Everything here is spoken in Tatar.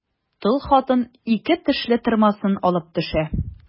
Тол хатын ике тешле тырмасын алып төшә.